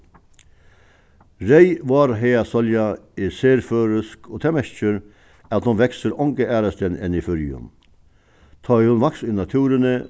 reyð várhagasólja er serføroysk og tað merkir at hon veksur onga aðrastaðni enn í føroyum tá ið hon vaks í náttúruni